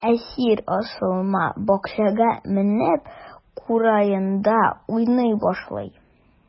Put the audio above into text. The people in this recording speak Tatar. Әсир асылма бакчага менеп, кураенда уйный башлый.